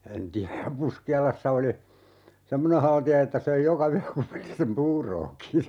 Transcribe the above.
en tiedä ja Puskialassa oli semmoinen haltia että söi joka yö kupillisen puuroakin